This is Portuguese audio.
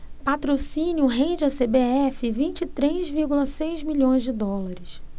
patrocínio rende à cbf vinte e três vírgula seis milhões de dólares